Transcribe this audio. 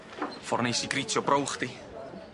Ffor' neis i grîtio brow chdi.